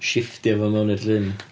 Sifftio fo mewn i'r llyn?